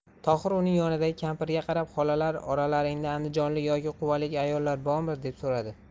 tohir uning yonidagi kampirga qarab xolalar oralaringda andijonlik yoki quvalik ayollar bormi deb so'radi